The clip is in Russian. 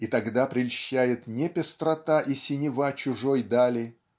и тогда прельщает не пестрота и синева чужой дали